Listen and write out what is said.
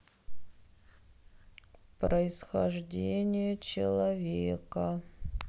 происхождение человека